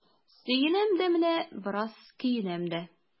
Сөенәм дә менә, бераз көенәм дә.